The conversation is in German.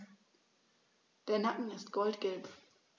Der Nacken ist goldgelb.